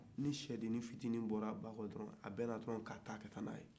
ni sɛdennin fitini bɔr'a ba kɔ dɔrɔn a bɛna dɔrɔn k'a ta ka taa n'a ye